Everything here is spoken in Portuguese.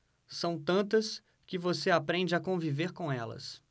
são tantas que você aprende a conviver com elas